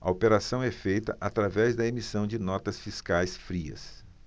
a operação é feita através da emissão de notas fiscais frias